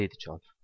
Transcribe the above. deydi chol